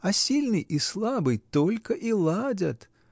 А сильный и слабый — только и ладят.